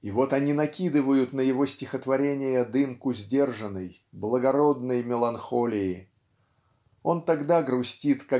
и вот они накидывают на его стихотворения дымку сдержанной благородной меланхолии. Он тогда грустит